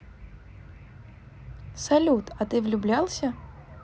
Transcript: салют а ты влюблялся